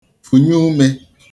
fụ̀nye umē